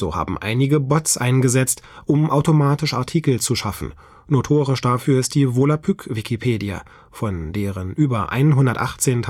haben Bots eingesetzt, um automatisch Artikel zu schaffen; notorisch dafür ist die Volapük-Wikipedia, von deren über 118.000